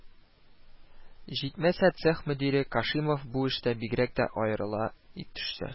Җитмәсә, цех мөдире Кашимов бу эштә бигрәк тә аерыла төшсә